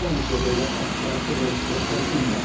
Wel ma' nw trio deud bo' chwarter cyfoeth Prydain yma.